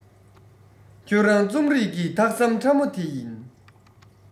ཁྱོད རང རྩོམ རིག གི ཁྱོད རང རྩོམ རིག གི ཐག ཟམ ཕྲ མོ དེ ཡིན